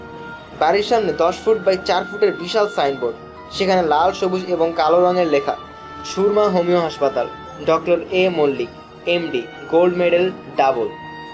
বাড়ির সামনে ১০ foot by ৪ ফুটের বিশাল সাইনবোের্ড সেখানে লাল সবুজ এবং কালাে রঙের লেখা সুরমা হােমিও হাসপাতাল ডা A Mallik MD gold medal double